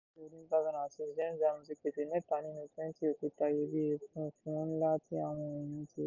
Láti ọdún 2006, Gem Diamonds ti pèsè mẹ́ta nínú 20 òkúta iyebíye funfun ńlá tí àwọn èèyàn ti rí rí.